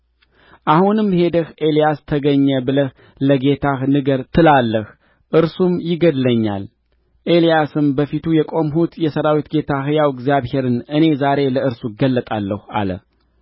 አሁንም ሄደህ ኤልያስ ተገኘ ብለህ ለጌታህ ንገር ትላለህ እርሱም ይገድለኛል ኤልያስም በፊቱ የቆምሁት የሠራዊት ጌታ ሕያው እግዚአብሔርን እኔ ዛሬ ለእርሱ እገለጣለሁ አለ